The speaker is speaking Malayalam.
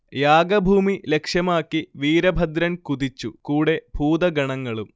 യാഗഭൂമി ലക്ഷ്യമാക്കി വീരഭദ്രൻ കുതിച്ചു കൂടെ ഭൂതഗണങ്ങളും